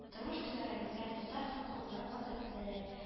Тормыш түгәрәгендә: татар халкының гореф-гадәтләре